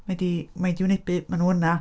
Mae hi 'di... mae hi 'di wynebu, maen nhw yna.